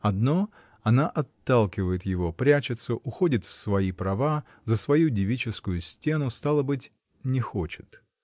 Одно — она отталкивает его, прячется, уходит в свои права, за свою девическую стену, стало быть. не хочет.